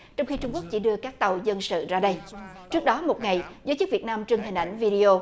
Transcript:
trong khi trung quốc chỉ đưa các tàu dân sự ra đây trước đó một ngày giới chức việt nam trưng hình ảnh vi đi ô